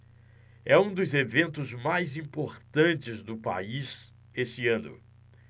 é um dos eventos mais importantes do país este ano